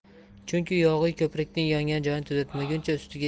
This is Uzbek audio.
chunki yog'iy ko'prikning yongan joyini